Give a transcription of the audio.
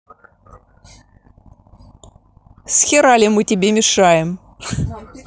схерали мы тебе мешаем